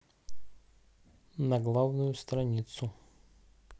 на главную страницу